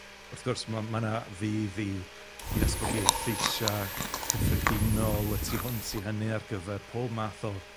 Wrth gwrs, ma' ma' na fudd i i ddatblygu ei lleisia' cyffredinol y tu hwnt i hynny ar gyfer pob math o